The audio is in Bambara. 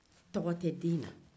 tɔgɔ tɛ den na